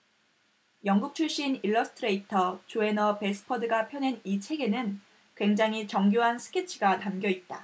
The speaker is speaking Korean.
영국 출신 일러스트레이터 조해너 배스퍼드가 펴낸 이 책에는 굉장히 정교한 스케치가 담겨 있다